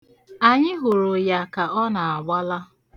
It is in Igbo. Anyị hụrụ ya ka ọ na-agbala.